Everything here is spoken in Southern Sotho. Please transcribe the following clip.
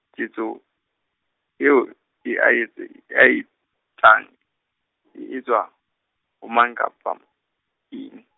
ketso eo e a etste- a etsang e etswa ho mang kapa -m eng?